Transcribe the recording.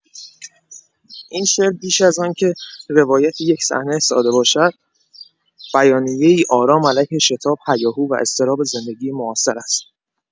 این شعر، بیش از آن‌که روایت یک صحنه ساده باشد، بیانیه‌ای آرام علیه شتاب، هیاهو و اضطراب زندگی معاصر است.